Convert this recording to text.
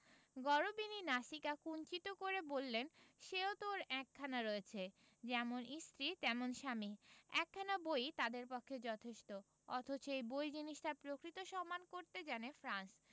গরবিনী নাসিকা কুঞ্চিত করে বললেন সেও তো ওঁর একখানা রয়েছে যেমন স্ত্রী তেমন স্বামী একখানা বই ই তাদের পক্ষে যথেষ্ট অথচ এই বই জিনিসটার প্রকৃত সম্মান করতে জানে ফ্রান্স